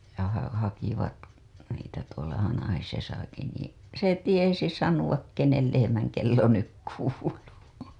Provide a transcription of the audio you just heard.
ja - hakivat niitä tuolla Hanhisessakin niin se tiesi sanoa kenen lehmän kello nyt kuuluu